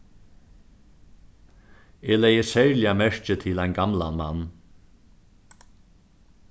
eg legði serliga merki til ein gamlan mann